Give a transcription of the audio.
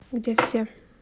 где все